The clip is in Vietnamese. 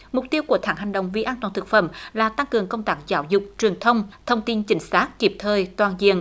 mục tiêu của tháng hành động vi an toàn thực phẩm là tăng cường công tác giáo dục truyền thông thông tin chính xác kịp thời toàn diện